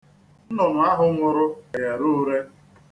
Nnụnụ ahụ nwụrụ ga-ere ure.